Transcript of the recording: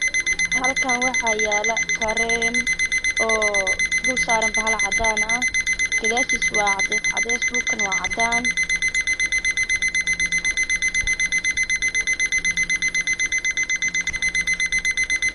Hal kaan waxaa yaalo kareen